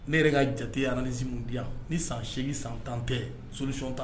Ne yɛrɛ ka jateyara niimu diya yan ni san sɛgin san tan tɛ sosi tan